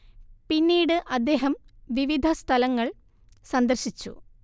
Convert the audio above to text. പിന്നീട് അദ്ദേഹം വിവിധ സ്ഥലങ്ങൾ സന്ദർശിച്ചു